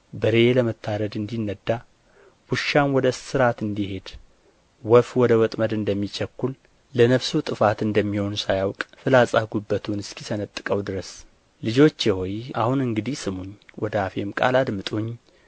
በሬ ለመታረድ እንዲነዳ ውሻም ወደ እስራት እንዲሄድ ወፍ ወደ ወጥመድ እንደሚቸኩል ለነፍሱ ጥፋት እንደሚሆን ሳያውቅ ፍላጻ ጕበቱን እስኪሰነጥቀው ድረስ ልጆቼ ሆይ አሁን እንግዲህ ስሙኝ ወደ አፌም ቃል አድምጡኝ